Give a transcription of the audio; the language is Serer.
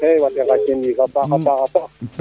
xe fat i ngaƴ tin yiif a paxa paaxa paax